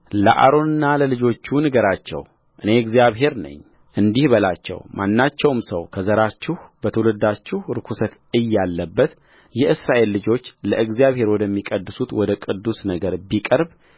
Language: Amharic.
ለአሮንና ለልጆቹ ንገራቸው እኔ እግዚአብሔር ነኝእንዲህ በላቸው ማናቸውም ሰው ከዘራችሁ በትውልዳችሁ ርኵሰት እያለበት የእስራኤል ልጆች ለእግዚአብሔር ወደሚቀድሱት ወደ ቅዱስ ነገር ቢቀርብ